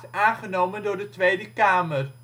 aangenomen door de Tweede Kamer